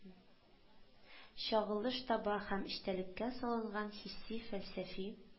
Чагылыш таба һәм «эчтәлеккә салынган хисси-фәлсәфи